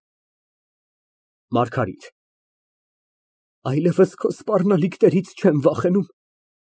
ՄԱՐԳԱՐԻՏ ֊ Ա, այլևս քո սպառնալիքներից չեմ վախենում։